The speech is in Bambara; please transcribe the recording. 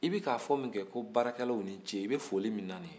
i bɛ k'a fɔ min kɛ ko baara kɛlaw ni ce i bɛ foli la nin ye